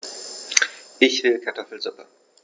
Ich will Kartoffelsuppe.